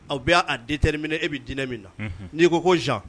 Aw bɛ'a di tɛ minɛ e bɛ diinɛ min na n'i ko zan